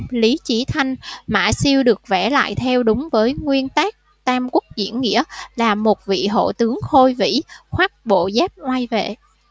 lý chí thanh mã siêu được vẽ lại theo đúng với nguyên tác tam quốc diễn nghĩa là một vị hổ tướng khôi vĩ khoác bộ giáp oai vệ